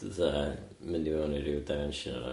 fatha mynd i fewn i ryw dimension arall.